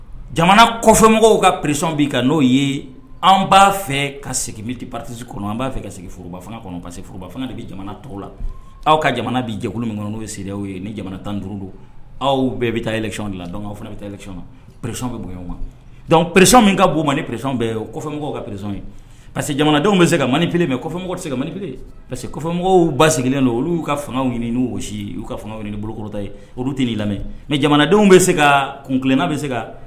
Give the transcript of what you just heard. Jamanamɔgɔ ye an b' fɛ ka segin b'a fɛ la aw ka jamana bin jɛkulu n' ye ni jamana tan duuru don aw bɛɛ bɛ taaɔn la aw fana bɛ taa pre bɛ kan presi min ka bɔo ma presi omɔgɔ ka pere ye pa jamanadenw bɛ se ka man p se ka man pe pa que kɔfɛmɔgɔ ba sigilen don olu ka fangaw ɲini gosisi'u ka fanga ɲini bolo kɔrɔta olu tɛ lamɛn mɛ jamanadenw bɛ se ka kunna bɛ se ka